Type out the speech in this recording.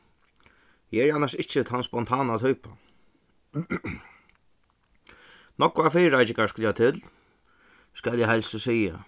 eg eri annars ikki tann spontana typan nógvar fyrireikingar skula til skal eg heilsa og siga